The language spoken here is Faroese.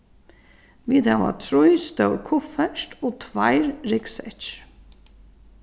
vit hava trý stór kuffert og tveir ryggsekkir